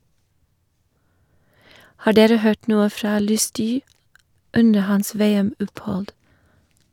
- Har dere hørt noe fra Lustü under hans VM-opphold?